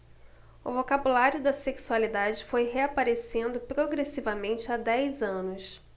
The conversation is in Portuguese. o vocabulário da sexualidade foi reaparecendo progressivamente há dez anos